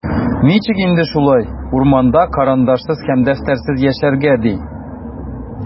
Ничек инде шулай, урманда карандашсыз һәм дәфтәрсез яшәргә, ди?!